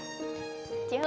giận